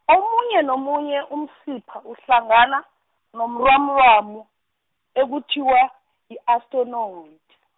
omunye nomunye umsipha uhlangana, norwamurwamu, ekuthiwa, yi asternoid.